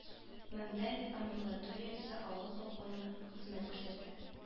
Мәмдәл амбулаториясе авыл халкына хезмәт күрсәтә